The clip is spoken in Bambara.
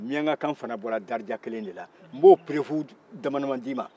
miyanka kan fana bɔra darija kelen in de la n bɛ o perewu dama-damani d'i ma